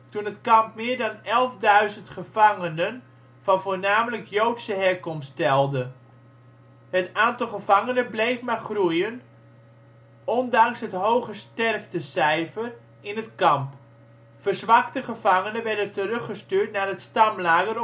toen het kamp meer dan elfduizend gevangenen van voornamelijk Joodse herkomst telde. Het aantal gevangenen bleef maar groeien, ondanks het hoge sterftecijfer in het kamp. Verzwakte gevangenen werden teruggestuurd naar het Stammlager